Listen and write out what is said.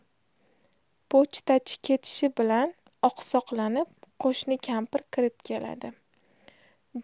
pochtachi ketishi bilan oqsoqlanib qo'shni kampir kirib keladi